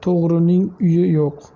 to'g'rining uyi yo'q